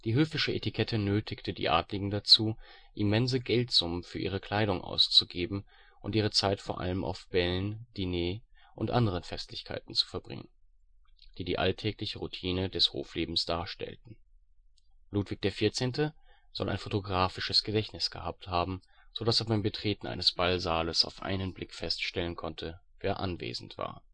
höfische Etikette nötigte die Adeligen dazu, immense Geldsummen für ihre Kleidung auszugeben, und ihre Zeit vor allem auf Bällen, Diners und anderen Festlichkeiten zu verbringen, die die alltägliche Routine des Hoflebens darstellten. Ludwig XIV. soll ein fotografisches Gedächtnis gehabt haben, so dass er beim Betreten eines Ballsaales auf einen Blick feststellen konnte, wer anwesend war